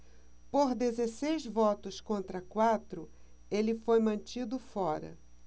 por dezesseis votos contra quatro ele foi mantido fora